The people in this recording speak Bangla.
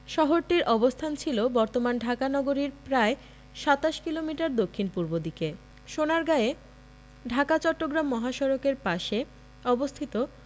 শহরটির অবস্থান ছিল বর্তমান ঢাকা নগরীর প্রায় ২৭ কিলোমিটার দক্ষিণপূর্ব দিকে সোনারগাঁয়ে ঢাকা চট্রগ্রাম মহাসড়কের পাশে অবস্থিত